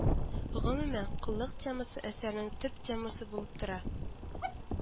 Гомумән, коллык темасы әсәрнең төп темасы булып тора